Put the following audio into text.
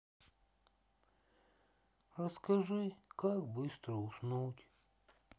расскажи как быстро уснуть